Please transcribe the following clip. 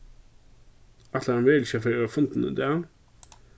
ætlar hann veruliga ikki at fara á fundin í dag